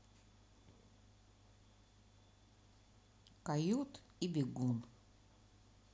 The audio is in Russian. койот и бегут